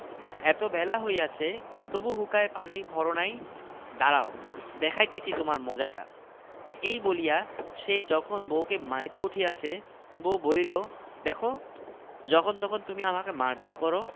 এত বেলা হইয়াছে তবু হুঁকায় পানি ভর নাই দাঁড়াও দেখাইতেছি তোমায় মজাটা এই বলিয়া সে যখন বউকে মারিতে উঠিয়াছে বউ বলিল দেখ যখনতখন তুমি আমাকে মারধর কর